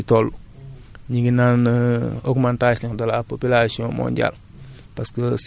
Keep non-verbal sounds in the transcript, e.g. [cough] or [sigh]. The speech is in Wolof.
dafa nekk farata ci képp ku nekk ci ñun [breath] parce que bu ñu xoolee jamono jii fi àdduna si toll